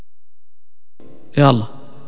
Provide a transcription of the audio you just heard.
يلا